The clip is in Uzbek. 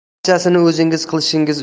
barchasini o'zingiz qilishingiz